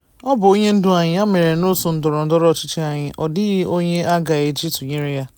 Ọ bụ onye ndu anyị, ya mere n'òtù ndọrọndọrọ ọchịchị anyị, ọ dịghị onye a ga-eji tụnyere ya.